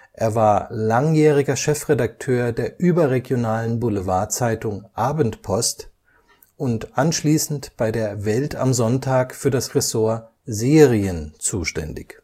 Er war langjähriger Chefredakteur der überregionalen Boulevardzeitung Abendpost und anschließend bei der Welt am Sonntag für das Ressort „ Serien “zuständig